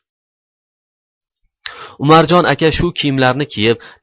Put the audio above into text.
umarjon aka shu kiyimlarini kiyib